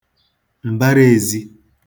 m̀bara ēzī